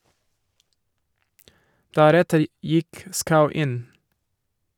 Deretter gikk Schau inn.